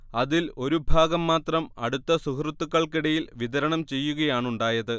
അതിൽ ഒരുഭാഗം മാത്രം അടുത്ത സുഹൃത്തുക്കൾക്കിടയിൽ വിതരണം ചെയ്യുകയാണുണ്ടായത്